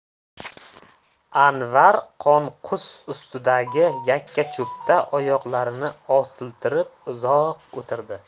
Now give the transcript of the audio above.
anvar qonqus ustidagi yakkacho'pda oyoqlarini osiltirib uzoq o'tirdi